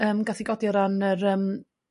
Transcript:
yrm gath 'i godi o ran yr yrm